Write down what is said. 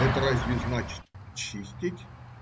Это разве значит чистить?